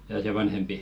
jaa se vanhempi